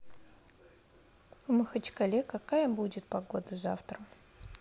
в махачкале какая будет погода завтра